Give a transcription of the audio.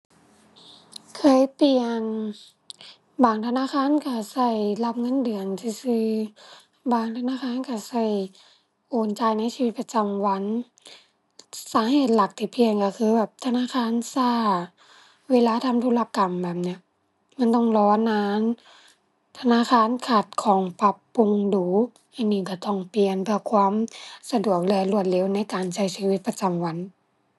เคยเปลี่ยน บางธนาคารก็ก็รับเงินเดือนซื่อซื่อ บางธนาคารก็ก็โอนจ่ายในชีวิตประจำวัน สาเหตุหลักที่เปลี่ยนก็คือแบบ ธนาคารก็ เวลาทำธุรกรรมแบบเนี้ย มันต้องรอนาน ธนาคารขัดข้องปรับปรุงดู๋ อันนี้ก็ต้องเปลี่ยนเพื่อความสะดวกและรวดเร็วในการใช้ชีวิตประจำวัน